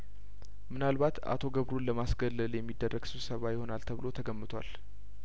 ምናልባት አቶ ገብሩን ለማስ ገለል የሚደረግ ስብሰባ ይሆናል ተብሎ ተገምቷል